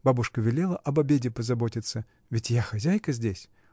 Бабушка велела об обеде позаботиться. Ведь я хозяйка здесь!